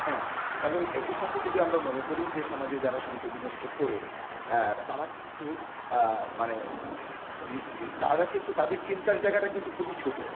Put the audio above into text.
হ্যাঁ এবং একই সাথে ও যদি আমরা মনে করি যে সমাজে শান্তি বিনষ্ট করে তারা কিন্তু মানে তারা কিন্তু তাদের চিন্তার জায়গাটা কিন্তু খুবই ছোট